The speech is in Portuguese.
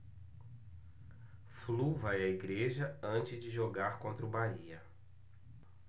flu vai à igreja antes de jogar contra o bahia